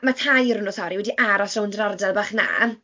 Ma' tair o nhw, sori, wedi aros rownd yr ardal bach 'na.